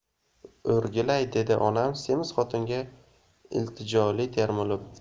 o'rgilay dedi onam semiz xotinga iltijoli termilib